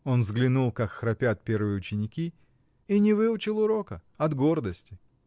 Он взглянул, как храпят первые ученики, и не выучил урока — от гордости.